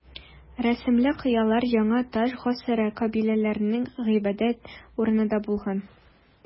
Рәсемле кыялар яңа таш гасыры кабиләләренең гыйбадәт урыны да булган.